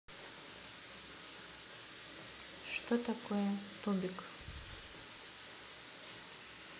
что такое тубик